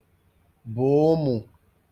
bụ̀ ụmụ̀